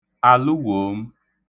àlụwòòm